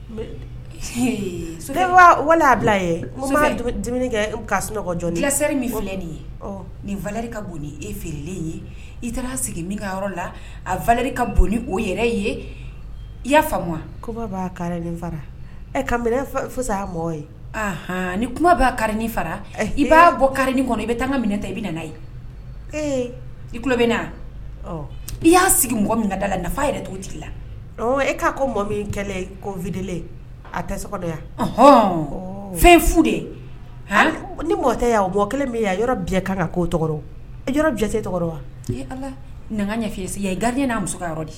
Wala bila ye kɛ' jɔn min fɔ nin ye nin vri ka bononi e feerelen ye i taara sigi min ka yɔrɔ la a vri ka bononi o yɛrɛ ye i' faamu wa ko'a kari fara fo' mɔgɔ yeɔn ni kuma b'a kariin fara i b'a bɔ kariin kɔnɔ i bɛ taa ka minɛ ta i bɛ i bɛ na i y'a sigi mɔgɔ min da dala la nafa yɛrɛ to tigi la e k'a ko mɔ min kɛlen ko vd a tɛ dɔ yanɔn fɛn fu de ni mɔgɔ tɛ y' o bɔ kelen min yɔrɔ kan yɔrɔ jɛ tɔgɔ wa ala nan gari n'a muso yɔrɔ de